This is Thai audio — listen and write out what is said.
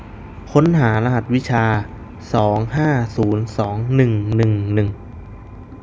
ค้นหารหัสวิชาสองห้าศูนย์สองหนึ่งหนึ่งหนึ่ง